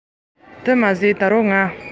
ང ལ མགོ སྐོར གཏོང མི ཐུབ